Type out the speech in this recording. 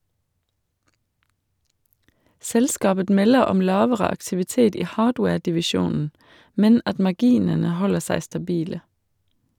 Selskapet melder om lavere aktivitet i hardwaredivisjonen, men at marginene holder seg stabile.